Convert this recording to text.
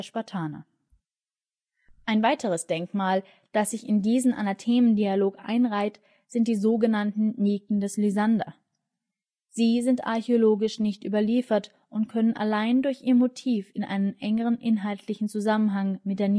Ein weiteres Denkmal, das sich in diesen Anathemdialog einreiht, sind die so genannten Niken des Lysander. Sie sind archäologisch nicht überliefert und können allein durch ihr Motiv in einen engen inhaltlichen Zusammenhang mit der Nike des Paionios gebracht werden